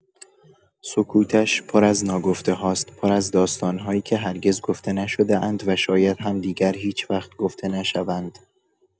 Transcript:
سکوتش پر از ناگفته‌هاست، پر از داستان‌هایی که هرگز گفته نشده‌اند و شاید هم دیگر هیچ‌وقت گفته نشوند.